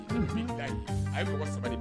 I a wa sabali